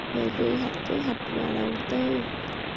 về quy hoạch kế hoạch và đầu tư